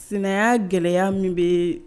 Sinanya gɛlɛyaya min bɛ yen